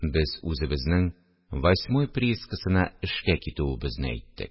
Без үзебезнең «Восьмой» приискасына эшкә китүебезне әйттек